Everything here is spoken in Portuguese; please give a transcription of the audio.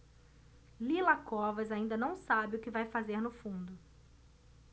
lila covas ainda não sabe o que vai fazer no fundo